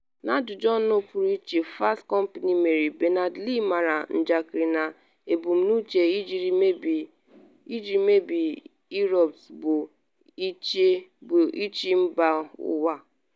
N’ajụjụ ọnụ pụrụ iche Fast Company mere, Berners-Lee mara njakịrị na ebumnuche ejiri mebe Inrupt bụ “ịchị mba ụwa.”